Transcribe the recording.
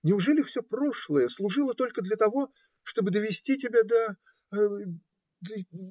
Неужели все прошлое служило только для того, чтобы довести тебя до. до.